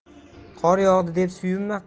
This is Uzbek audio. qor yog'di deb